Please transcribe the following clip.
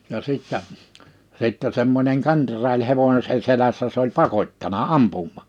ja sitten sitten semmoinen kenraali hevosen selässä se oli pakottanut ampumaan